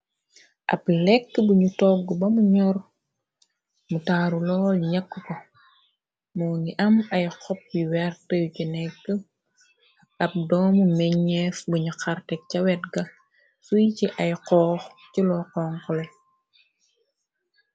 Ab lekk bunu togg bamu ñor mu taaru lool yakk ko moo ngi am ay xop yu wert y ci nekk ak ab doomu meñeef buñu xartek ca wetga suy ci ay xoox ci lo xonxo le.